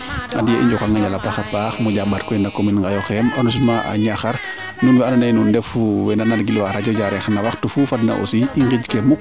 rek andiye i njokang njal a paaxa paax moƴa mbaat koy no commune Ngayokhem arrondissement Niakhar nuun we ando naye nuun ndefu nan gilwa radio Diarekh no waxtu fuu fadna aussi i nginj kee muk